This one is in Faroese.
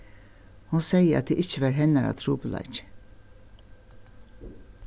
hon segði at tað ikki var hennara trupulleiki